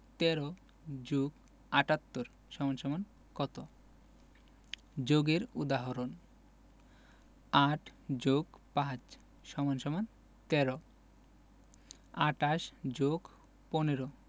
১৩ + ৭৮ = কত যোগের উদাহরণঃ ৮ + ৫ = ১৩ ২৮ + ১৫